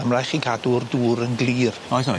A ma' rai' chi cadw'r dŵr yn glir. Oes oes.